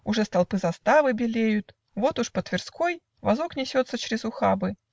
Уже столпы заставы Белеют: вот уж по Тверской Возок несется чрез ухабы.